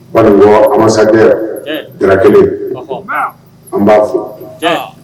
Banikɔ Ambassadeur daga kelen . An ba fo.